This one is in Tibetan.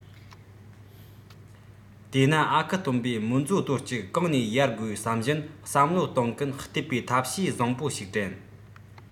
དེས ན ཨ ཁུ སྟོན པས རྨོན མཛོ དོར གཅིག གང ནས གཡར དགོས བསམ བཞིན བསམ བློ གཏོང གིན བསྟད པས ཐབས ཤེས བཟང པོ ཞིག དྲན